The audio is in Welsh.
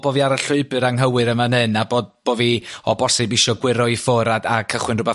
bo' fi ar y llwybr anghywir yn fan hyn a bo' fi a bo' fi o bosib isio gwyro i ffwr' a cychwyn rwbath